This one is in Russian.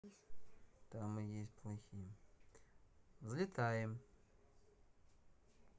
взлетаем